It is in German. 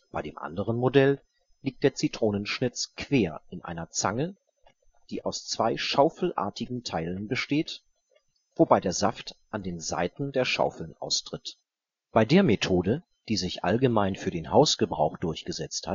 Bei dem anderen Modell liegt der Zitronenschnitz quer in einer Zange, die aus zwei schaufelartigen Teilen besteht, wobei der Saft an den Seiten der Schaufeln austritt. Bei der Methode, die sich allgemein für den Hausgebrauch durchgesetzt